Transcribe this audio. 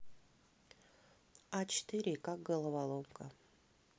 а четыре и как головоломка